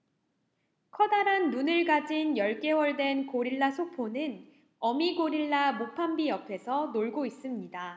커다란 눈을 가진 열 개월 된 고릴라 소포는 어미 고릴라 모팜비 옆에서 놀고 있습니다